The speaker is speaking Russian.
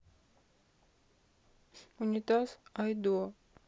унитаз айдо